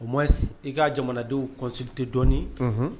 O ma i ka jamanadenw kɔn tɛ dɔɔninɔni